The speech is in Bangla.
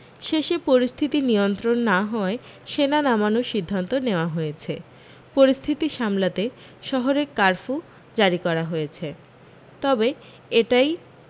শেষে পরিস্থিতি নিয়ন্ত্রণ না হওয়ায় সেনা নামানোর সিদ্ধান্ত নেওয়া হয়েছে পরিস্থিতি সামলাতে শহরে কার্ফূ জারি করা হয়েছে তবে এটাই